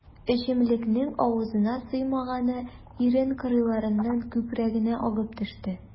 Эчемлекнең авызына сыймаганы ирен кырыйларыннан күкрәгенә агып төште.